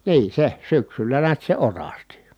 niin se syksyllä näet se orasti